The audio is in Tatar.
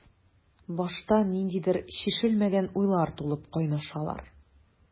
Башта ниндидер чишелмәгән уйлар тулып кайнашалар.